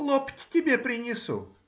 — Лопать тебе принесу.